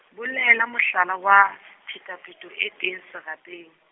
bolela mohlala wa, phetapheto e teng serapeng.